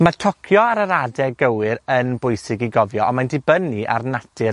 ma' tocio ar yr adeg gywir yn bwysig i gofio, ond mae'n dibynnu ar natur